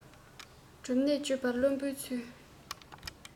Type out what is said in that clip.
གྲུབ ནས དཔྱོད པ བླུན པོའི ཚུལ